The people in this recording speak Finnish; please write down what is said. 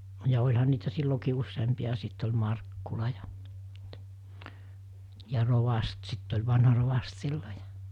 ja olihan niitä silloinkin useampia ja sitten oli Markkula ja ja rovasti sitten oli vanha rovasti silloin ja